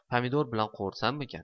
pomidor bilan qovursamikan